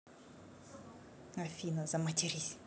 афина заматерись